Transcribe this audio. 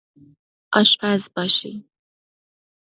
آشپز باشی